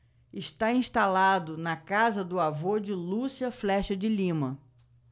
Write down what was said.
está instalado na casa do avô de lúcia flexa de lima